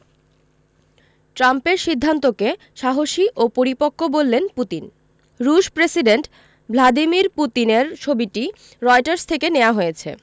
ট্রাম্পের সিদ্ধান্তকে সাহসী ও পরিপক্ব বললেন পুতিন রুশ প্রেসিডেন্ট ভ্লাদিমির পুতিনের ছবিটি রয়টার্স থেকে নেয়া হয়েছে